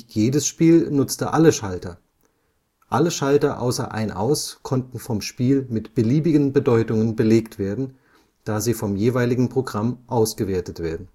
jedes Spiel nutzte alle Schalter; alle Schalter außer Ein/Aus konnten vom Spiel mit beliebigen Bedeutungen belegt werden, da sie vom jeweiligen Programm ausgewertet werden